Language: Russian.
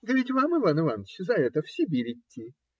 - Да ведь вам, Иван Иваныч, за это в Сибирь идти.